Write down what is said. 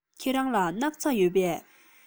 ཁྱེད རང ལ སྣག ཚ ཡོད པས